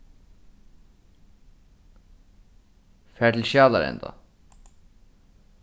far til skjalarenda